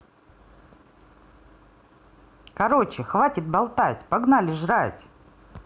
короче хватит болтать погнали жрать